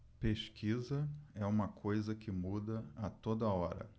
pesquisa é uma coisa que muda a toda hora